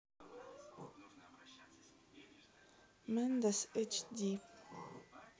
мэндес эч ди